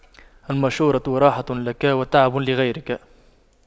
المشورة راحة لك وتعب لغيرك